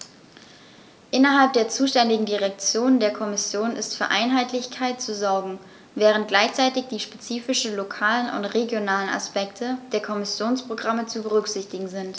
Innerhalb der zuständigen Direktion der Kommission ist für Einheitlichkeit zu sorgen, während gleichzeitig die spezifischen lokalen und regionalen Aspekte der Kommissionsprogramme zu berücksichtigen sind.